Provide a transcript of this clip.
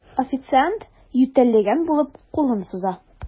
Официант, ютәлләгән булып, кулын суза.